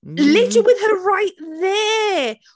Literally with her right there!